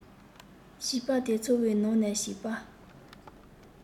བྱིས པ དེ ཚོའི ནང ནས བྱིས པ